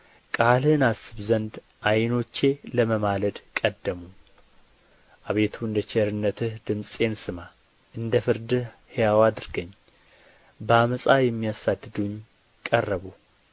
ቃልህን አስብ ዘንድ ዓይኖቼ ለመማለድ ቀደሙ አቤቱ እንደ ቸርነትህ ድምፄን ስማ እንደ ፍርድህ ሕያው አድርገኝ በዓመፃ የሚያሳድዱኝ ቀረቡ